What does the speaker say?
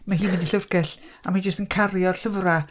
ma' hi'n mynd i'r llyfrgell, a ma'i jyst yn cario'r llyfrau.